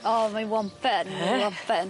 O mae'n wompen. Mae'n wompen.